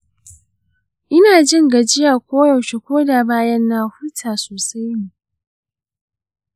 ina jin gajiya koyaushe koda bayan na huta sosai ne.